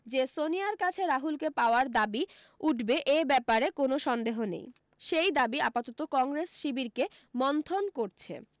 যে সনিয়ার কাছে রাহুলকে পাওয়ার দাবি উঠবে এ ব্যাপারে কোনও সন্দেহ নেই সেই দাবি আপাতত কংগ্রেস শিবিরকে মন্থন করছে